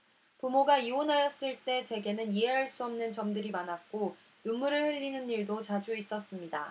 부모가 이혼하였을 때 제게는 이해할 수 없는 점들이 많았고 눈물을 흘리는 일도 자주 있었습니다